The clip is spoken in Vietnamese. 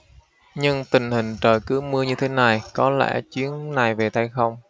nhưng tình hình trời cứ mưa như thế này có lẽ chuyến này về tay không